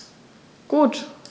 Gut.